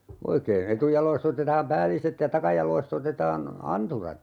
oikein etujaloista otetaan päälliset ja takajaloista otetaan anturat